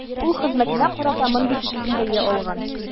Үз хезмәтенә карата мондый кискен бәя алган.